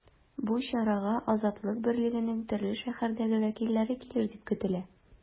Бу чарага “Азатлык” берлегенең төрле шәһәрдәге вәкилләре килер дип көтелә.